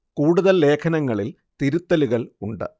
കൂടുതൽ ലേഖനങ്ങളിൽ തിരുത്തലുകൾ ഉണ്ട്